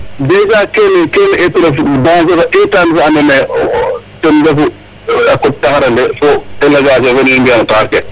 Dèjà kene etu ref dangers fa etan fa andoona yee ten refu a kot taxar ale fo fene i mbi'aa no taxar ke.